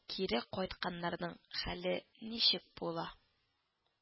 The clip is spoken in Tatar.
Кире кайтканнарның хәле ничек була